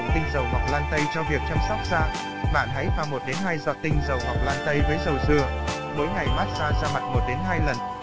để sử dụng tinh dầu ngọc lan tây cho việc chăm sóc da bạn hãy pha giọt tinh dầu ngọc lan tây với dầu dừa mỗi ngày massage da mặt lần